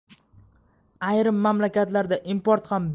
ayrim mamlakatlarda import ham